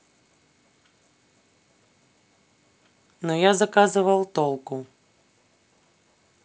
но я заказывал толку